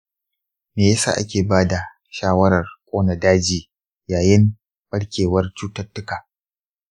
me ya sa ake ba da shawarar ƙona daji yayin ɓarkewar cututtuka?